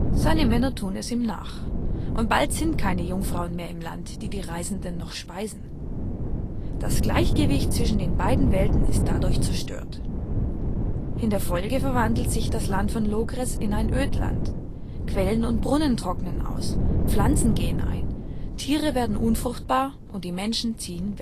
Seine Männer tun es ihm nach, und bald sind keine Jungfrauen mehr im Land, die die Reisenden noch speisen. Das Gleichgewicht zwischen den beiden Welten ist dadurch zerstört. In der Folge verwandelt sich das Land von Logres in ein Ödland: Quellen und Brunnen trocknen aus, Pflanzen gehen ein, Tiere werden unfruchtbar und die Menschen ziehen